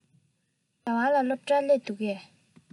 ཟླ བ ལགས སློབ གྲྭར སླེབས འདུག གས